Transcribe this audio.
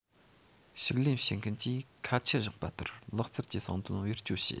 བཤུག ལེན བྱེད མཁན གྱིས ཁ ཆད བཞག པ ལྟར ལག རྩལ གྱི གསང དོན བེད སྤྱོད བྱས